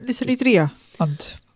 Wnaethon ni drio ond...